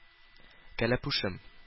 Кәләпүшем